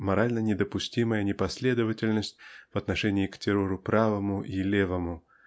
морально недопустимая непоследовательность в отношении к террору правому и левому